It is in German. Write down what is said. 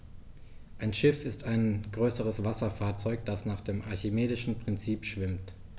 Ein Schiff ist ein größeres Wasserfahrzeug, das nach dem archimedischen Prinzip schwimmt.